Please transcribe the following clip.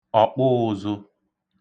ọ̀kpụụ̄zụ̄